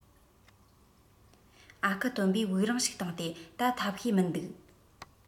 ཨ ཁུ སྟོན པས དབུགས རིང ཞིག བཏང སྟེ ད ཐབས ཤེས མིན འདུག